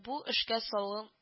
Бу эшкә салын